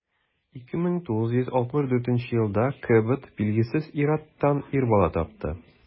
1964 елда кэбот билгесез ир-аттан ир бала тапты.